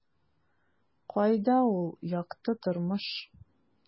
Кайда ул - якты тормыш? ..